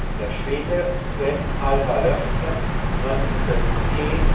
Der Schwede Sven Halvar Löfgren (1910 – 1978) beschrieb